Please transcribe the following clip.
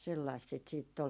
sellaista sitä sitten oli